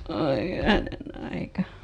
oi hyvänen aika